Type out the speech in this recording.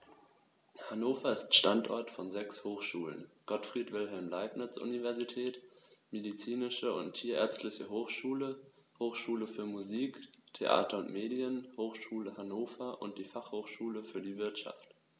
Hannover ist Standort von sechs Hochschulen: Gottfried Wilhelm Leibniz Universität, Medizinische und Tierärztliche Hochschule, Hochschule für Musik, Theater und Medien, Hochschule Hannover und die Fachhochschule für die Wirtschaft.